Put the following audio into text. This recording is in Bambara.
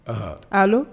Aa